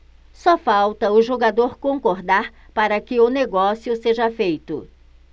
só falta o jogador concordar para que o negócio seja feito